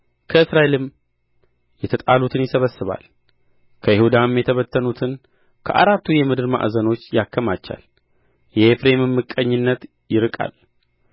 ከእስራኤልም የተጣሉትን ይሰበስባል ከይሁዳም የተበተኑትን ከአራቱ የምድር ማዕዘኖች ያከማቻል የኤፍሬምም ምቀኝነት ይርቃል